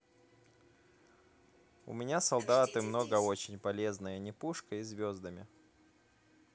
у меня солдаты много очень полезная не пушка и звездами